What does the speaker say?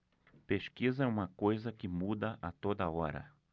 pesquisa é uma coisa que muda a toda hora